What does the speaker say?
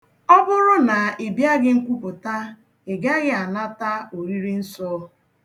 Ọ bụrụ na ịbịaghị nkwupụta, ị gaghị anata oriri nsọ.